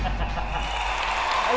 hãy